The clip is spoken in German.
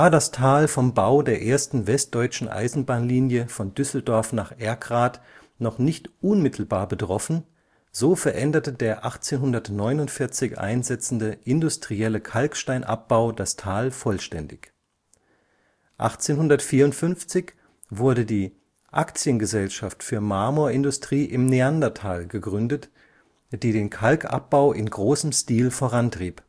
das Tal vom Bau der ersten westdeutschen Eisenbahnlinie von Düsseldorf nach Erkrath noch nicht unmittelbar betroffen (eröffnet 1838, 1841 bis nach Elberfeld erweitert), so veränderte der 1849 einsetzende industrielle Kalksteinabbau das Tal vollständig. 1854 wurde die „ Actiengesellschaft für Marmorindustrie im Neanderthal “gegründet, die den Kalkabbau in großem Stil vorantrieb